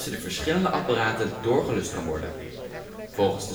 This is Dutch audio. de verschillende apparaten doorgelust kan worden. Volgens